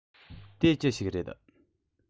དེ ཅི ཞིག རེད